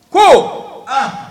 Ko aa